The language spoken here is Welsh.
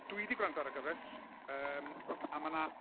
Dwi 'di gwrando ar y gyfres, yym, a ma' 'na...